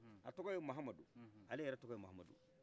a tɔgɔye muamadu ale yɛrɛ togɔye muamadu